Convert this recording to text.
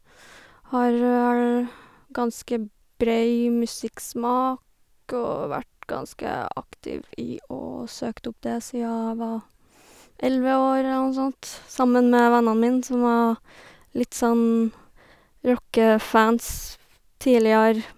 Har vel ganske brei musikksmak og vært ganske aktiv i å søkt opp det sia jeg var elleve år eller noe sånt, sammen med vennene mine, som var litt sånn rockefans tidligere.